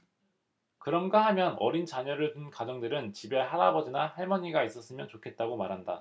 그런가 하면 어린 자녀를 둔 가정들은 집에 할아버지나 할머니가 있었으면 좋겠다고 말한다